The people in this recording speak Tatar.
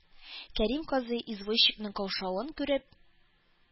Кәрим казый, извозчикның каушавын күреп